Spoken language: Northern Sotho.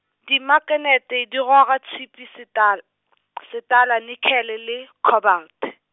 dimaknete di goga tšhipi setal- , setala nikhele le, khobalte.